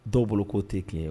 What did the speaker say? Dɔw bolo k'o tɛ